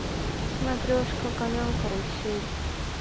сматрешка канал карусель